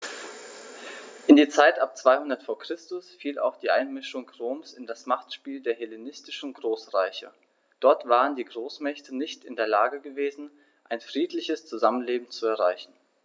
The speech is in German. In die Zeit ab 200 v. Chr. fiel auch die Einmischung Roms in das Machtspiel der hellenistischen Großreiche: Dort waren die Großmächte nicht in der Lage gewesen, ein friedliches Zusammenleben zu erreichen.